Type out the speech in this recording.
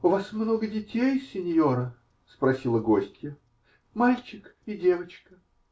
-- У вас много детей, синьора? -- спросила гостья. -- Мальчик и девочка.